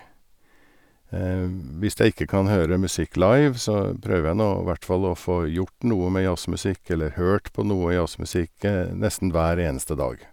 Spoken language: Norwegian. Hvis jeg ikke kan høre musikk live, så prøver jeg nå hvert fall å få gjort noe med jazzmusikk eller hørt på noe jazzmusikk nesten hver eneste dag.